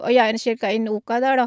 Og jeg er cirka en uke der, da.